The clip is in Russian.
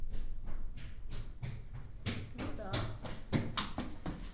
ну да